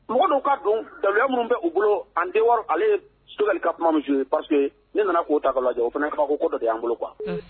Mɔgɔ' ka don daya minnu bɛ u bolo wɔɔrɔ ale ye soli ka kuma muso ye paseke ne nana k'o ta ka lajɛ o fana' ko dɔ de y an bolo kuwa